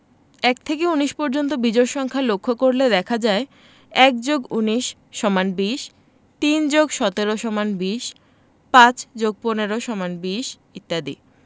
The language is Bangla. ১ থেকে ১৯ পর্যন্ত বিজোড় সংখ্যা লক্ষ করলে দেখা যায় ১+১৯=২০ ৩+১৭=২০ ৫+১৫=২০ ইত্যাদি